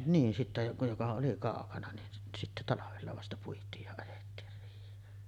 niin sitten joka joka oli kaukana niin - sitten talvella vasta puitiin ja ajettiin riiheen